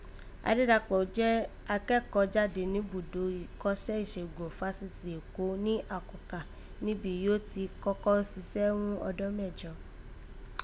Adédàkpọ̀ jẹ́ akẹ́kọ̀ọ́ jáde nibùdó ìkọ́sẹ́ ìsègùn Fásitì Èkó ni Àkọkà nibo yìí ó ti kọ́kọ́ sisẹ́ ghún ọdọ́n mẹ́jo